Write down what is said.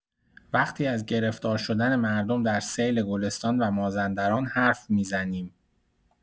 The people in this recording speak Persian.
وقتی از گرفتار شدن مردم در سیل گلستان و مازندران حرف می‌زنیم.